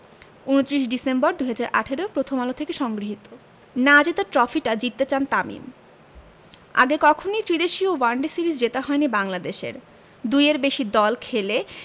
২৯ December ২০১৮ প্রথম আলো হতে সংগৃহীত না জেতা ট্রফিটা জিততে চান তামিম আগে কখনোই ত্রিদেশীয় ওয়ানডে সিরিজ জেতা হয়নি বাংলাদেশের দুইয়ের বেশি দল খেলে